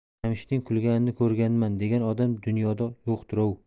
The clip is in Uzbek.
jamshidning kulganini ko'rganman degan odam dunyoda yo'qdirov